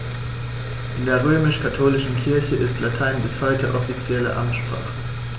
In der römisch-katholischen Kirche ist Latein bis heute offizielle Amtssprache.